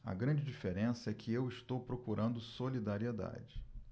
a grande diferença é que eu estou procurando solidariedade